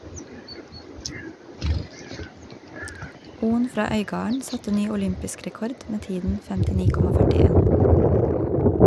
Oen fra Øygarden satte ny olympisk rekord med tiden 59,41.